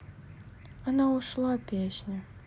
она ушла песня